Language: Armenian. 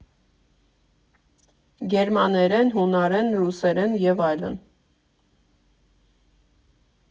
Գերմաներեն, հունարեն, ռուսերեն և այլն։